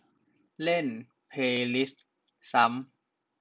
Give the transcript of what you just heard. เล่นเพลย์ลิสซ้ำ